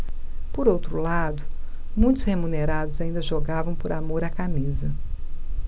por outro lado muitos remunerados ainda jogavam por amor à camisa